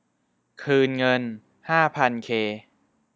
คืนเงินห้าพันเค